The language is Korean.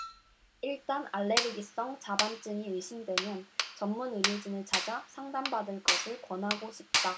일단 알레르기성 자반증이 의심되면 전문 의료진을 찾아 상담 받을 것을 권하고 싶다